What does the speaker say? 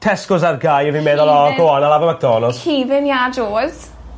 Tescos ar gau fi'n meddwl o go on I'll 'ave a Macdonalds. Hufen ia Joes.